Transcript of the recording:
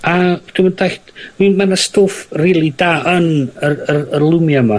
A dw'm yn dallt mi- ma' 'na stwff rili da yn yr yr yr Lunia 'ma,